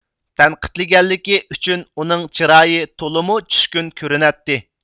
تەنقىدلىگەنلىكى ئۈچۈن ئۇنىڭ چىرايى تولىمۇ چۈشكۈن كۆرۈنەتتى